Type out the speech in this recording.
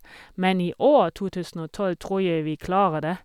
Men i år, to tusen og tolv, tror jeg vi klarer det.